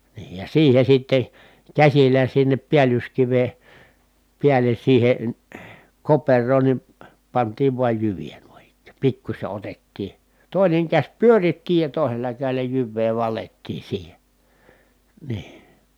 niin ja siihen sitten käsillä sinne päällyskiven päälle siihen koperoon niin pantiin vain jyviä noin ikään pikkuisen otettiin toinen käsi pyöritti ja toisella kädellä jyvää valettiin siihen niin